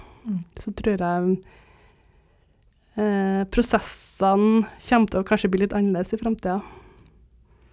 så tror jeg prosessene kommer til å kanskje bli litt annerledes i framtida.